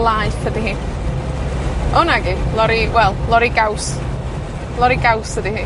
laeth ydi hi. O! Nagi, lori, wel, lori gaws, lori gaws ydi hi.